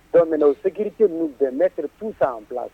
Bon mɛnɛ o sécurité ninun dɛ doivent mettre toutes en place